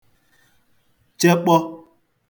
chekpọ̄